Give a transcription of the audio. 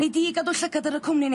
Nei di gadw llygad ar y cwmni ni?